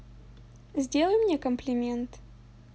сделай мне комплимент